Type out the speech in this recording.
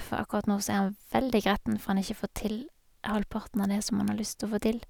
For akkurat nå så er han veldig gretten for han ikke får til halvparten av det som han har lyst å få til.